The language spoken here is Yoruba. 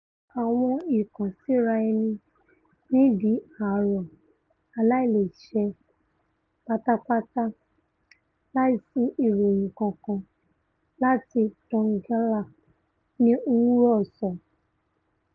Àwọn ìkànsíra-ẹni ni ''di àrọ aláìlẹ́sẹ̀ pátápátá láìsì ìròyìn kankan'' láti Donggala, ni Nugroho sọ.